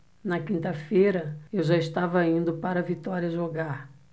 na quinta-feira eu já estava indo para vitória jogar